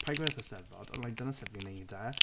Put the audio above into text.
Paid gweud wrth y Steddfod ond like dyna sut fi'n wneud e.